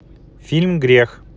фильм грех